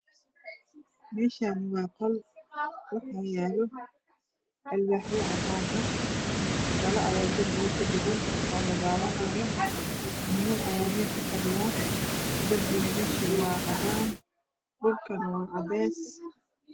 Meeshani waa qol waxaa yaalo alwaaxyo cadaan ah dhalo ayaa darbiga ku dhagan oo ladaawanayo niman ayaa meesha fadhiyaan darbiga meesha waa cadaan hoolla wa acadays